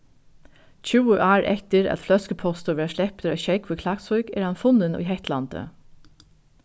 tjúgu ár eftir at ein fløskupostur varð sleptur á sjógv í klaksvík er hann funnin í hetlandi